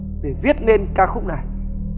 để viết nên ca khúc này